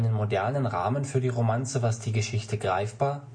modernen Rahmen für die Romanze, was die Geschichte greifbar